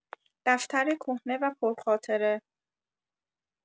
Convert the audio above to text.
دفتر کهنه و پرخاطره